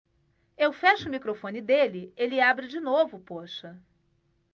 eu fecho o microfone dele ele abre de novo poxa